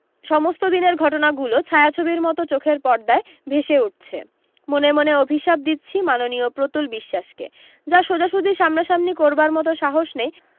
সমস্ত দিনের ঘটনাগুলো ছায়াছবির মতো চোখের পর্দায় ভেসে উঠছে মনে মনে অভিশাপ দিচ্ছি মাননীয় প্রতুল বিশ্বাসকে যা সোজাসুজি সামনা সামনি করবার মতো সাহস নেই